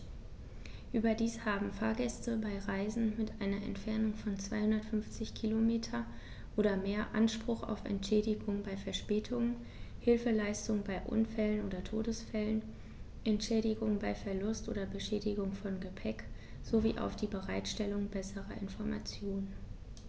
Überdies haben Fahrgäste bei Reisen mit einer Entfernung von 250 km oder mehr Anspruch auf Entschädigung bei Verspätungen, Hilfeleistung bei Unfällen oder Todesfällen, Entschädigung bei Verlust oder Beschädigung von Gepäck, sowie auf die Bereitstellung besserer Informationen.